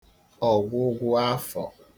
ọgwụgwụ afọ̀